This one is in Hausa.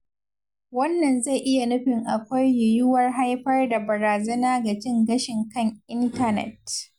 Wannan zai iya nufin akwai yuwuwar haifar da barazana ga cin gashin kan intanet.